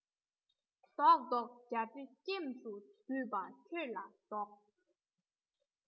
བཟློག བཟློག རྒྱ འདྲེ སྐྱེམས སུ བརྫུས པ ཁྱོད ལ བཟློག